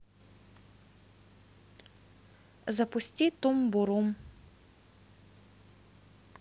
запусти тум бурум